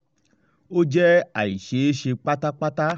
Ó jẹ́ àìṣeéṣe pátápátá.